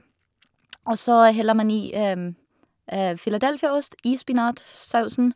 Og så heller man i Philadelphia-ost i spinatsausen.